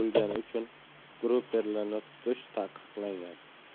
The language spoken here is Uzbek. bo'lgani uchun gruperlarni tutish taqiqlangan